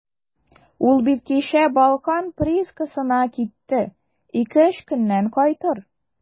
Ул бит кичә «Балкан» приискасына китте, ике-өч көннән кайтыр.